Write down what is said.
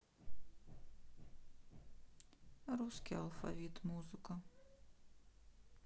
русский алфавит музыка